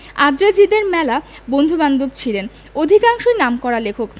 Andre জিদের মেলা বন্ধুবান্ধব ছিলেন অধিকাংশই নামকরা লেখক